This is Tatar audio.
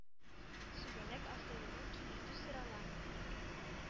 Сүбәләк автоюлын киңәйтү сорала,